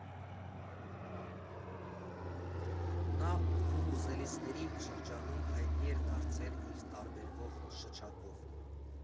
Նա վուվուզելիստների շրջանում հայտնի էր դարձել իր տարբերվող շչակով.